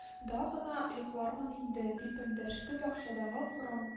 Да гына йоклармын инде,—дип эндәште бакчадагы караң